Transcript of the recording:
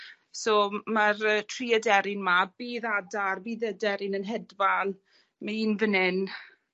so ma'r yy tri aderyn 'ma, bydd adar bydd aderyn yn hedfan. Ma un fyn 'yn